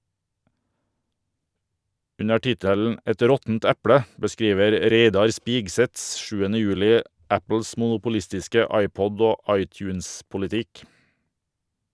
Under tittelen "Et råttent eple" beskriver Reidar Spigseth 7. juli Apples monopolistiske iPod- og iTunes-politikk.